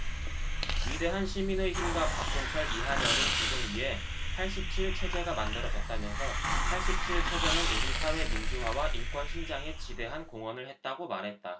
위대한 시민의 힘과 박종철 이한열의 죽음 위에 팔십 칠 체제가 만들어졌다면서 팔십 칠 체제는 우리 사회 민주화와 인권신장에 지대한 공헌을 했다고 말했다